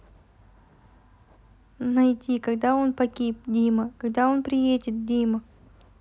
найти когда он погиб дима когда придет дима